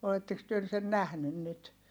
olettekos te sen nähnyt nyt